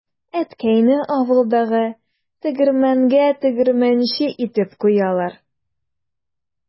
Әткәйне авылдагы тегермәнгә тегермәнче итеп куялар.